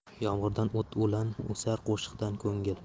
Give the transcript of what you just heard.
yomg'irdan o't o'lan o'sar qo'shiqdan ko'ngil